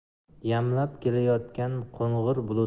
yamlab kelayotgan qo'ng'ir